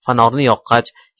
fanorni yoqqach